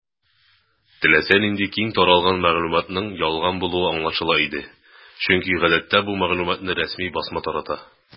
Теләсә нинди киң таралган мәгълүматның ялган булуы аңлашыла иде, чөнки гадәттә бу мәгълүматны рәсми басма тарата.